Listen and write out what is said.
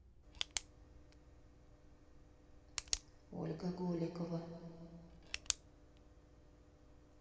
ольга голикова